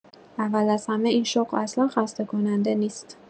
اول از همه، این شغل اصلا خسته‌کننده نیست.